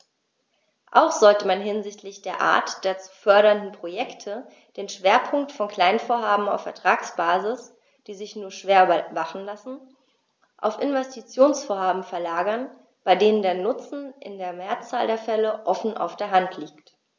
Auch sollte man hinsichtlich der Art der zu fördernden Projekte den Schwerpunkt von Kleinvorhaben auf Ertragsbasis, die sich nur schwer überwachen lassen, auf Investitionsvorhaben verlagern, bei denen der Nutzen in der Mehrzahl der Fälle offen auf der Hand liegt.